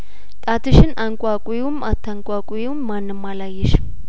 ጣትሽን አንቋቂውም አታንቋቂውም ማንም አላየሽም